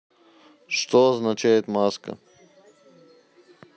что означает маска